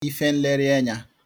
ife nlerienya